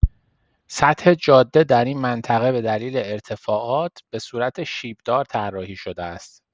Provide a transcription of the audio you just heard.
سطح جاده در این منطقه به دلیل ارتفاعات، به صورت شیب‌دار طراحی شده است.